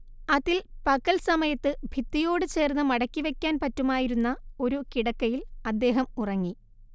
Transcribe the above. അതിൽ പകൽ സമയത്ത് ഭിത്തിയോടുചേർത്ത് മടക്കിവക്കാൻ പറ്റുമായിരുന്ന ഒരു കിടക്കയിൽ അദ്ദേഹം ഉറങ്ങി